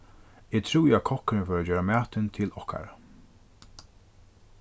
eg trúði at kokkurin fór at gera matin til okkara